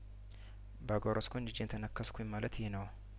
ባጉረስኩኝ እጄን ተነከስኩኝ ማለት ይህ ነው